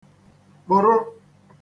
kporo